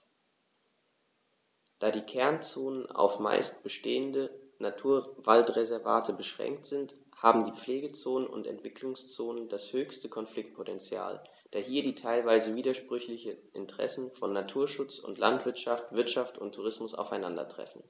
Da die Kernzonen auf – zumeist bestehende – Naturwaldreservate beschränkt sind, haben die Pflegezonen und Entwicklungszonen das höchste Konfliktpotential, da hier die teilweise widersprüchlichen Interessen von Naturschutz und Landwirtschaft, Wirtschaft und Tourismus aufeinandertreffen.